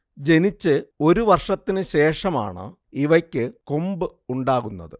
ജനിച്ച് ഒരുവർഷത്തിനുശേഷമാണ് ഇവയ്ക്ക് കൊമ്പ് ഉണ്ടാകുന്നത്